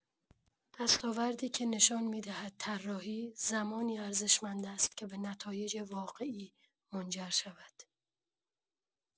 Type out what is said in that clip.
دستاوردی که نشان می‌دهد طراحی، زمانی ارزشمند است که به نتایج واقعی منجر شود.